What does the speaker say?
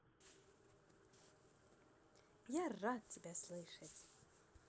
я рад тебя слышать